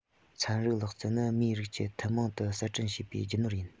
ཚན རིག ལག རྩལ ནི མིའི རིགས ཀྱིས ཐུན མོང དུ གསར སྐྲུན བྱས པའི རྒྱུ ནོར ཡིན